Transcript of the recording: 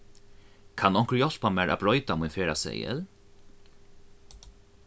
kann onkur hjálpa mær at broyta mín ferðaseðil